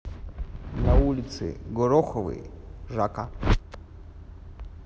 на улице гороховой жака